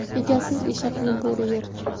egasiz eshakni bo'ri yer